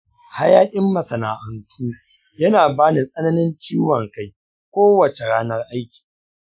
hayaƙin masana’antu yana ba ni tsananin ciwon kai kowace ranar aiki.